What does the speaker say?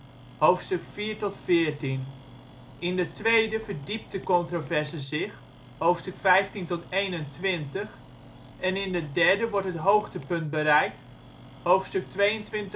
hoofdstuk 4-14). In de tweede verdiept de controverse zich (hoofdstuk 15-21), en in de derde wordt het hoogtepunt bereikt (hoofdstuk 22-27